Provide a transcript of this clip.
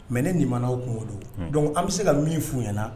Mɛ ne nin mana aw kungo o don dɔnku an bɛ se ka min u ɲɛnaana